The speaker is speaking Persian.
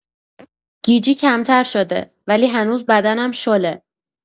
گیجی کمتر شده، ولی هنوز بدنم شله.